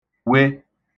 we